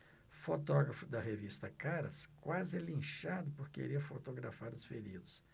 fotógrafo da revista caras quase é linchado por querer fotografar os feridos